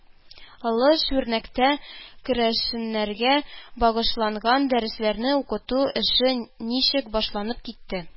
Олы Шүрнәктә керәшеннәргә багышланган дәресләрне укыту эше ничек башланып китте